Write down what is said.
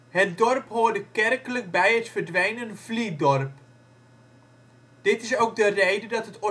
Het dorp hoorde kerkelijk bij (het verdwenen) Vliedorp. Dit is ook de reden dat het oorspronkelijke kerkhof